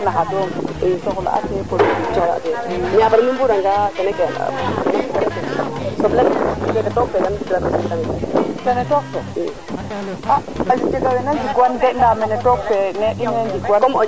xolin xa qolof wala bugo duuf naxa qolof `bugo xotid maaga o njiriñ non non ku ga 'oona rek periode umo ku ga' ona rek periode um a etun avant i ndoka no lamit keene fop ka coox kang o ñuxrum te simin fo'o fogole fop a leya den ten refu an avant i ndoka no lamit ke kooro maak simna xong